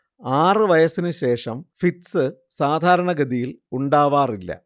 ആറു വയസ്സിനുശേഷം ഫിറ്റ്സ് സാധാരണഗതയിൽ ഉണ്ടാവാറില്ല